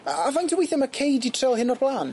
A a faint yw withe ma' Kay di trial hyn o'r bla'n?